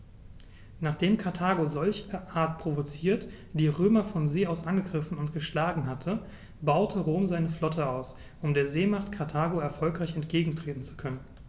Nachdem Karthago, solcherart provoziert, die Römer von See aus angegriffen und geschlagen hatte, baute Rom seine Flotte aus, um der Seemacht Karthago erfolgreich entgegentreten zu können.